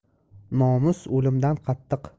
nomus o'limdan qattiq